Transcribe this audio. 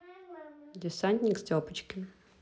десантник степочкин